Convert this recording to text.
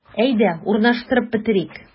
Әйдә, урнаштырып бетерик.